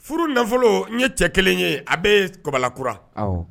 Furu nafolo n ye cɛ kelen ye a bɛ kɔbalakura